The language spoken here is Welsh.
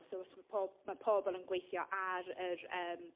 So os mae po- ma' pobl yn gweithio ar yr yym...